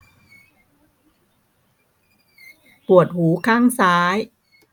ปวดหูข้างซ้าย